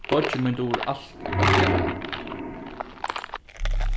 beiggi mín dugir alt rættiliga væl